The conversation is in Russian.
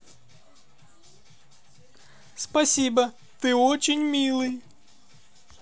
спасибо ты очень милый